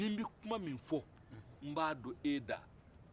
ni n bɛ kuman min fo n b'a do e da